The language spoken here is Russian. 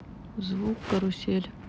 звук карусель